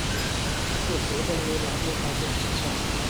มันปวดเสียวบริเวณหลังลงมาจนถึงปลายเท้า